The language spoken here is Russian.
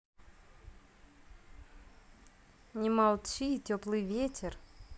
не молчи теплый ветер